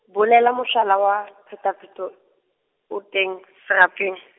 bolela mohlala wa phetapheto o teng serapeng.